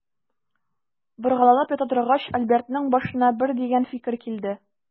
Боргаланып ята торгач, Альбертның башына бер дигән фикер килде.